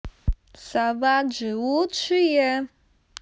savage лучшие